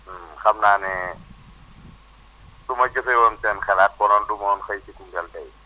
xam naa ne su ma jëfeewoon seen xalaat konoon du ma woon xëy si Koungheul tey